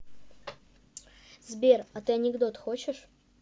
сбер а ты анекдот хочешь